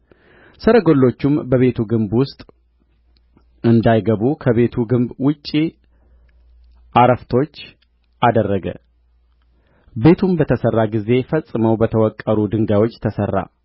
ሰረገሎቹ በቤቱ ግንብ ውስጥ እንዳይገቡ ከቤቱ ግንብ ውጭ ዓረፍቶች አደረገ ቤቱም በተሠራ ጊዜ ፈጽመው በተወቀሩ ድንጋዮች ተሠራ